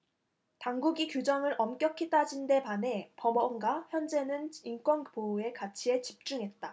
당국이 규정을 엄격히 따진 데 반해 법원과 헌재는 인권보호의 가치에 집중했다